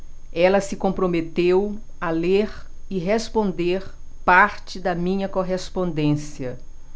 ele se comprometeu a ler e responder parte da minha correspondência